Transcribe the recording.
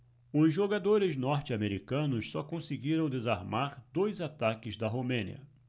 os jogadores norte-americanos só conseguiram desarmar dois ataques da romênia